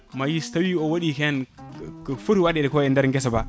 ma yii so tawi o waɗi hen ko footi waɗede ko e nder guesa ba